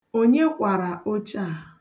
Onye kwara oche a?